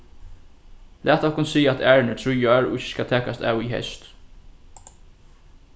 lat okkum siga at ærin er trý ár og ikki skal takast av í heyst